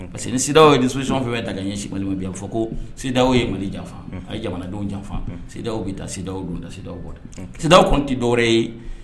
Unhun parce que ni CDEAO ye disposition fɛn fɛn ta k'a ɲɛsin Mali ma bi a bɛ fɔ koo CDEAO ye Mali janfa unhun a ye jamanadenw janfa unhun CDEAO be tan CDEAO don tan CDEAO bɔ tan unhun CDEAO kɔni ti dɔwɛrɛ ye